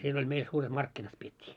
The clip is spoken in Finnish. siellä oli meillä suuret markkinat pidettiin